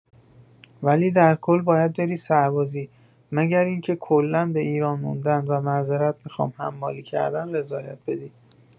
ولی در کل باید بری سربازی، مگر اینکه کلا به ایران موندن و معذرت میخوام حمالی کردن رضایت بدی.